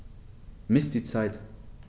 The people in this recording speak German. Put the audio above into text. Miss die Zeit.